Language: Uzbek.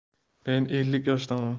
men ellik yoshdaman